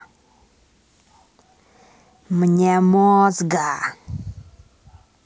мне мозга